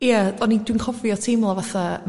ia oni'n... dwi'n cofio teimlo fatha